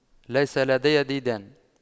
ليس لدي ديدان